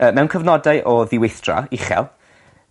Yy mewn cofnodau o ddiweithdra uchel